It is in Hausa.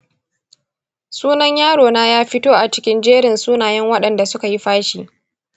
sunan yarona ya fito a cikin jerin sunayen waɗanda suka yi fashi.